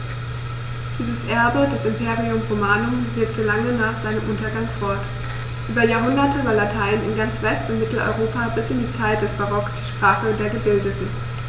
Dieses Erbe des Imperium Romanum wirkte lange nach seinem Untergang fort: Über Jahrhunderte war Latein in ganz West- und Mitteleuropa bis in die Zeit des Barock die Sprache der Gebildeten.